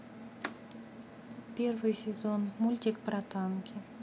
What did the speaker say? первый сезон мультик про танки